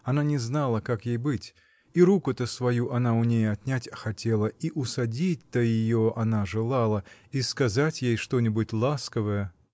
она не знала, как ей быть: и руку-то свою она у ней отнять хотела, и усадить-то ее она желала, и сказать ей что-нибудь ласковое